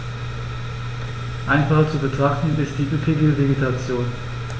Einfacher zu betrachten ist die üppige Vegetation.